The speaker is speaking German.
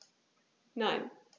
Nein.